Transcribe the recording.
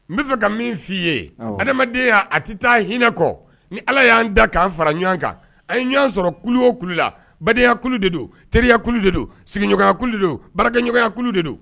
N'a fɛ ka min f' ii ye adamadenya' a tɛ taa hinɛ kɔ ni ala y'an da k' fara ɲɔgɔn kan a ye ɲɔgɔn sɔrɔ ku la badenyayakulu de don teriyakulu de don sigiɲɔgɔnkulu donɲɔgɔnyakulu de don